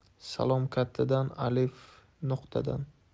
salom kattadan alif nuqtadan